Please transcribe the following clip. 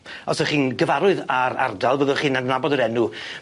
Os o'ch chi'n gyfarwydd â'r ardal fyddwch chi'n adnabod yr enw.